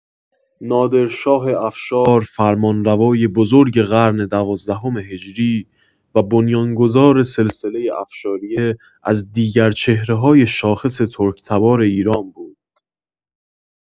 نادرشاه افشار، فرمانروای بزرگ قرن دوازدهم هجری و بنیان‌گذار سلسله افشاریه، از دیگر چهره‌های شاخص ترک‌تبار ایران بود.